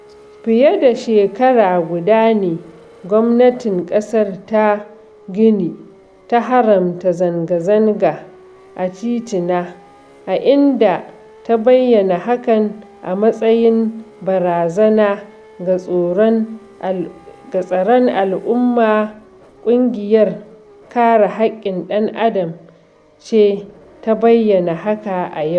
Fiye da shekara guda ne gwamnatin ƙasar ta Guinea ta haramta zanga-zanga a titina, a inda ta bayyana hakan a matsayin barazana ga tsaron al'umma, ƙungiyar Kare Haƙƙin ɗan Adam ce ta bayyana haka a yau,